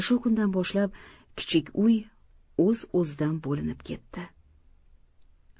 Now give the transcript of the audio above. shu kundan boshlab kichik uy o'z o'zidan bo'linib ketdi